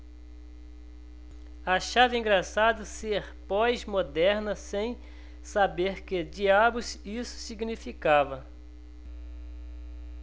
achava engraçado ser pós-moderna sem saber que diabos isso significava